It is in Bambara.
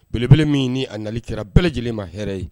Belebele min ni a nali kɛra bɛɛ lajɛlen ma hɛrɛ ye